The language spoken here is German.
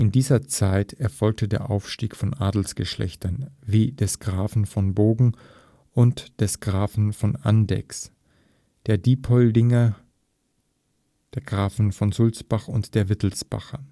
dieser Zeit erfolgte der Aufstieg von Adelsgeschlechtern, wie der Grafen von Bogen und der Grafen von Andechs, der Diepoldinger, Grafen von Sulzbach und der Wittelsbacher